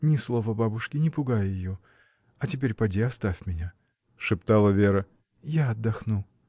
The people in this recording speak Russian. Ни слова бабушке, не пугай ее!. А теперь поди, оставь меня. — шептала Вера, — я отдохну.